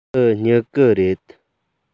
འདི སྨྱུ གུ རེད